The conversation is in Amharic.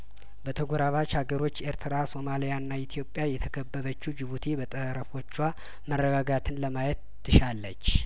በተጐራባች አገሮች ኤርትራ ሶማሊያእና ኢትዮጵያ የተከበበችው ጅቡቲ በጠረፎቿ መረጋጋትን ለማየትት ሻለች